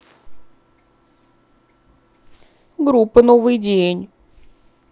группа новый день